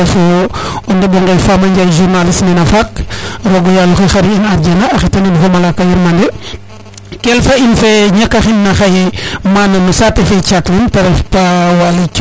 te ref o ndeɓo nge Fama Ndiaye journaliste nena faak rogo yaloxe khare in aldiana a xetanin fo malaka yirnde kelfa in fe ñaka xina xaye mana no saate fe Tiatlem Pa Waly Dione